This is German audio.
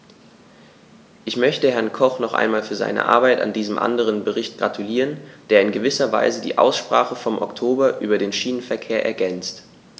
Ich möchte Herrn Koch noch einmal für seine Arbeit an diesem anderen Bericht gratulieren, der in gewisser Weise die Aussprache vom Oktober über den Schienenverkehr ergänzt.